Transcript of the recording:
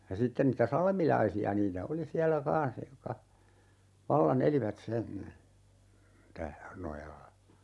ja sitten niitä salmilaisia niitä oli siellä kanssa jotka vallan elivät sen - nojalla